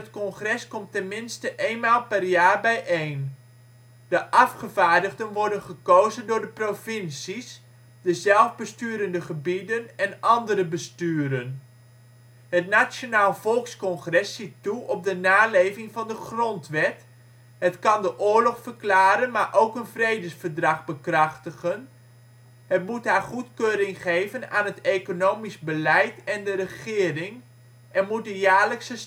congres komt ten minste één maal per jaar bijeen. De afgevaardigden worden gekozen door de provincies, de zelfbesturende gebieden (" Autonome Regio 's ") en andere besturen. Het Nationaal Volkscongres ziet toe op de naleving van de grondwet, het kan de oorlog verklaren, maar ook een vredesverdrag bekrachtigen, het moet haar goedkeuring geven aan het economisch beleid van de regering en moet de jaarlijkse staatsbegroting